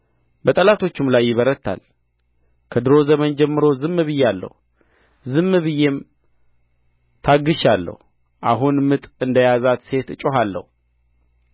በጠላቶቹም ላይ ይበረታል ከድሮ ዘመን ጀምሮ ዝም ብያለሁ ዝም ብዬም ታግሻለሁ አሁን ምጥ እንደ ያዛት ሴት እጮኻለሁ